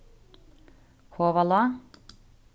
kovalág